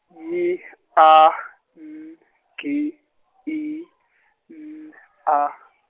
Y, A, M, G, E, M, A.